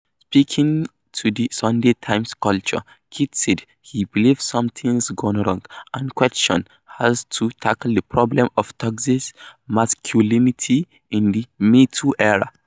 Speaking to The Sunday Times Culture, Kit said he believes 'something's gone wrong' and questioned how to tackle the problem of toxic masculinity in the #MeToo era.